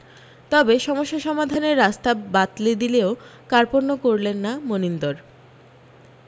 তবে সমস্যা সমাধানের রাস্তা বাতলে দিতেও কার্পণ্য করলেন না মনিন্দর